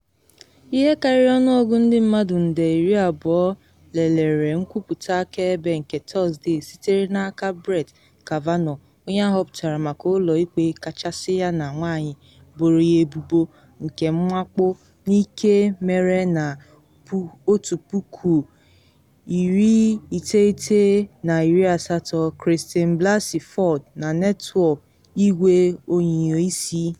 Ihe karịrị ọnụọgụ ndị mmadụ nde 20 lelere nkwupụta akaebe nke Tọsde sitere n’aka Brett Kavanaugh onye ahọpụtara maka Ụlọ Ikpe Kachasị yana nwanyị boro ya ebubo nke mwakpo n’ike mere na 1980, Christine Blasey Ford, na netwọk igwe onyonyoo isi.